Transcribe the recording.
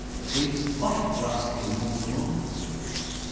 vit veittra við hondunum